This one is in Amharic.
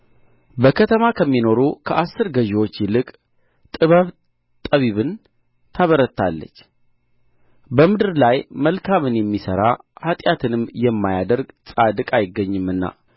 በከተማ ከሚኖሩ ከአሥር ገዢዎች ይልቅ ጥበብ ጠቢብን ታበረታለች በምድር ላይ መልካምን የሚሠራ ኃጢአትንም የማያደርግ ጻድቅ አይገኝምና